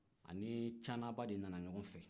ani canaba de nana ɲɔgɔn fɛ